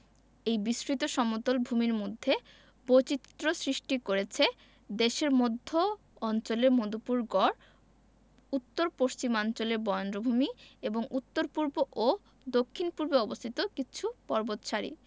এই বিস্তৃত সমতল ভূমির মধ্যে বৈচিত্র্য সৃষ্টি করেছে দেশের মধ্য অঞ্চলের মধুপুর গড় উত্তর পশ্চিমাঞ্চলের বরেন্দ্রভূমি এবং উত্তর পূর্ব ও দক্ষিণ পূর্বে অবস্থিত কিছু পর্বতসারি